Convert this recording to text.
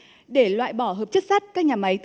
để loại bỏ chất sắt các nhà máy